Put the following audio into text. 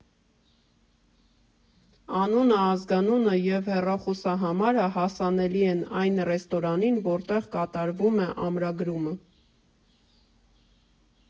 Անունը, ազգանունը և հեռախոսահամարը հասանելի են այն ռեստորանին, որտեղ կատարվում է ամրագրումը։